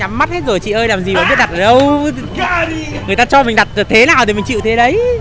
nhắm mắt hết rồi chị ơi làm gì còn biết đặt ở đâu người ta cho mình đặt thế nào thì mình chịu thế đấy